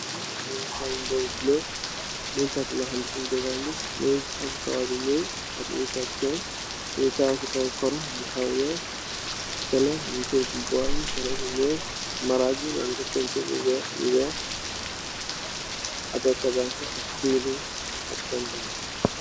Nit mongi sol mbuba bu bulu mongi tek loxo bi si denam bi lu mongi am karaw b nuul ak mongi sol chain mongi tawax si kaw karo mu xawa weex tele mung si boram tele bu nuul marag bi den ko painturr painturr bu weex adukta bang fa fili ak contact.